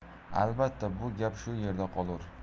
albatta bu gap shu yerda qolur